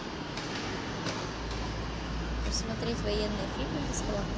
посмотреть военный фильм бесплатно